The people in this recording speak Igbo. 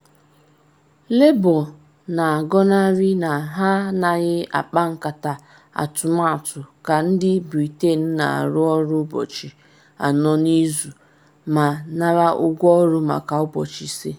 Labour na-agọnarị na ha anaghị akpa nkata atụmatụ ka ndị Britain na-arụ ọrụ ụbọchị anọ n’izu ma nara ụgwọ ọrụ maka ụbọchị ise